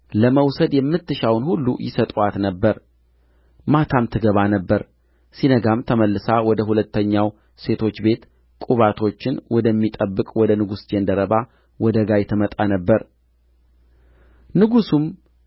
ለመውሰድ የምትሻውን ሁሉ ይሰጡአት ነበር ማታም ትገባ ነበር ሲነጋም ተመልሳ ወደ ሁለተኛው ሴቶች ቤት ቁባቶችን ወደሚጠብቅ ወደ ንጉሡ ጃንደረባ ወደ ጋይ ትመጣ ነበር ንጉሡም